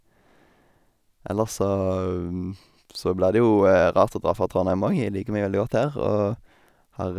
Ellers så så blir det jo rart å dra fra Trondheim òg, jeg liker meg veldig godt her, og har...